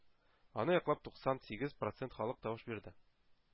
Аны яклап туксан сигез процент халык тавыш бирде.